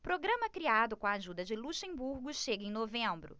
programa criado com a ajuda de luxemburgo chega em novembro